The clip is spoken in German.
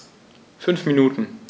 5 Minuten